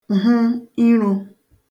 hụ irō